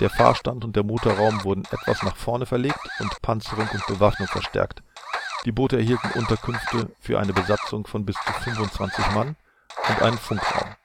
Der Fahrstand und Motorraum wurden etwas nach vorn verlegt und Panzerung und Bewaffnung verstärkt. Die Boote erhielten Unterkünfte für eine Besatzung von bis zu 25 Mann und einen Funkraum